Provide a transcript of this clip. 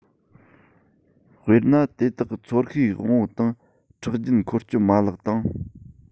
དཔེར ན དེ དག གི ཚོར ཤེས དབང པོ དང ཁྲག རྒྱུན འཁོར སྐྱོད མ ལག དང